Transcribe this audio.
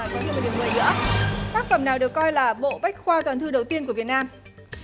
bạn có thêm một điểm mười nữa tác phẩm nào được coi là bộ bách khoa toàn thư đầu tiên của việt nam